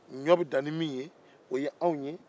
ɲɔ bɛ dan ni min ye o ye anw ye